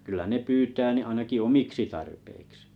kyllä ne pyytää niin ainakin omiksi tarpeiksi